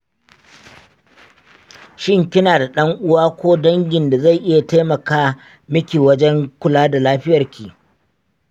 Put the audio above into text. shin kina da ɗan uwa ko dangin da zai iya taimaka miki wajen kula da lafiyarki?